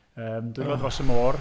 Yym Dwylo Dros Y Môr.